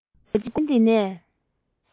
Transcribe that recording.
འགྲིམས པའི སྒོ ཆེན འདི ནས